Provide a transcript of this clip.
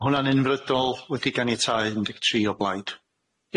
Hwnna'n enfrydol wedi'i ganiatáu un deg tri o blaid.